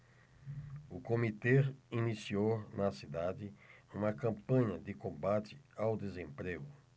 o comitê iniciou na cidade uma campanha de combate ao desemprego